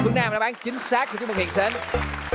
là đáp án chính xác xin chúc mừng hiền sến